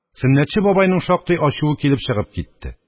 Сөннәтче бабайның шактый ачуы килеп чыгып китте